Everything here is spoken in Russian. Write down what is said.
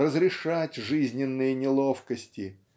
разрешать жизненные неловкости